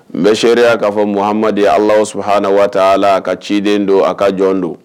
N bɛ seya k'a fɔ mahamadu di ala suhauna waa a a ka ciden don a ka jɔn don